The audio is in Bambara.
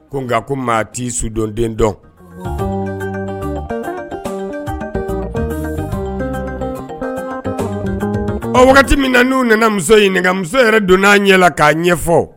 Ko nka ko maa t' sudon den dɔn ɔ wagati min na n'u nana muso ɲini muso yɛrɛ don n'a ɲɛ la k'a ɲɛ ɲɛfɔ